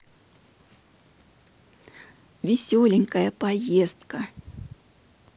веселенькая поездка